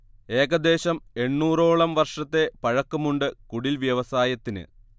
ഏകദേശം എണ്ണൂറോളം വർഷത്തെ പഴക്കമുണ്ട് കുടിൽവ്യവസായത്തിന്